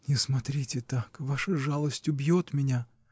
— Не смотрите так, ваша жалость убьет меня.